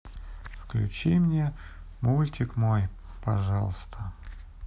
включи мне мультик мой пожалуйста